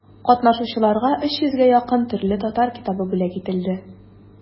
Катнашучыларга өч йөзгә якын төрле татар китабы бүләк ителде.